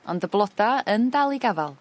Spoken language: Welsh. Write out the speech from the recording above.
ond y bloda yn dal i gafal